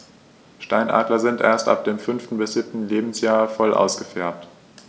Steinadler sind erst ab dem 5. bis 7. Lebensjahr voll ausgefärbt.